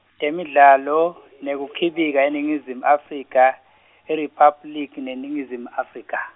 Temidlalo, nekuKhibika eNingizimu Afrika, IRiphabliki yeNingizimu Afrika.